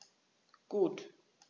Gut.